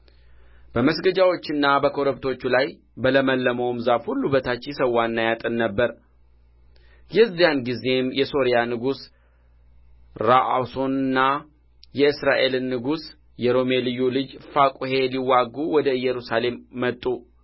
በመስገጃዎችና በኮረብቶቹ ላይ በለመለመውም ዛፍ ሁሉ በታች ይሠዋና ያጥን ነበር የዚያን ጊዜም የሶርያ ንጉሥ ረአሶንና የእስራኤል ንጉሥ የሮሜልዩ ልጅ ፋቁሔ ሊዋጉ ወደ ኢየሩሳሌም መጡ